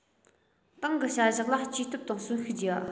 ཏང གི བྱ གཞག ལ སྐྱེ སྟོབས དང གསོན ཤུགས རྒྱས བ